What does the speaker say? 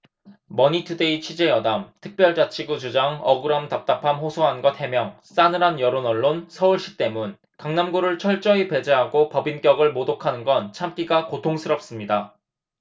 머니투데이 취재여담 특별자치구 주장 억울함 답답함 호소한 것 해명 싸늘한 여론 언론 서울시 때문 강남구를 철저히 배제하고 법인격을 모독하는 건 참기가 고통스럽습니다